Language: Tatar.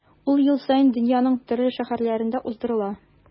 Ул ел саен дөньяның төрле шәһәрләрендә уздырыла.